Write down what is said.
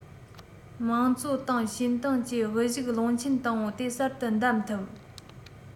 དམངས གཙོ ཏང ཞིན ཏང བཅས དབུ བཞུགས བློན ཆེན དང པོ དེ གསར དུ བདམས ཐུབ